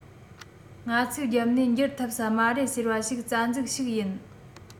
ང ཚོས རྒྱབ ནས འགྱུར ཐུབ ས མ རེད ཟེར བ ཞིག རྩ འཛུགས ཤིག ཡིན